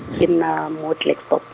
ke nna mo Klerksdorp.